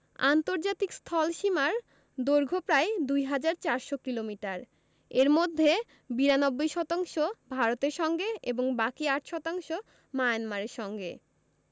আন্তর্জাতিক স্থলসীমার দৈর্ঘ্য প্রায় ২হাজার ৪০০ কিলোমিটার এর মধ্যে ৯২ শতাংশ ভারতের সঙ্গে এবং বাকি ৮ শতাংশ মায়ানমারের সঙ্গে